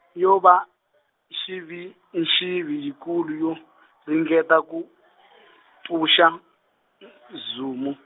yo va, nxivinxivi yikulu yo, ringeta ku , pfuxa, Zumo.